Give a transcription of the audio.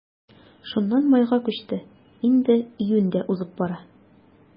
Шуннан майга күчте, инде июнь дә узып бара.